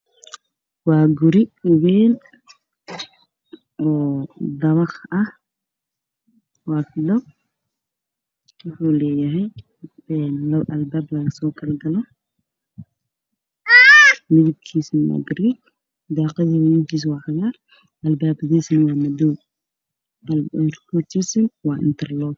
Waa guri weyn oo dabaq ah.waa filo waxa uu leeyahay. labo albaab laga soo kala galo medebkiisu waa gariin daaqadaha medebkoodu waa cagaar albaabka medebkiisu waa madow dhulkiisuna waa intarloog